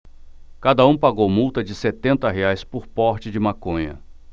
cada um pagou multa de setenta reais por porte de maconha